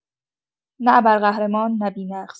نه ابرقهرمان، نه بی‌نقص.